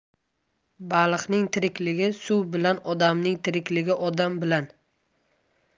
baliqning tirikligi suv bilan odamning tirikligi odam bilan